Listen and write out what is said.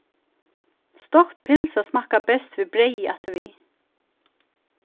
stokt pylsa smakkar best við breyði afturvið